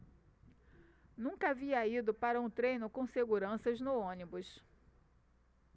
nunca havia ido para um treino com seguranças no ônibus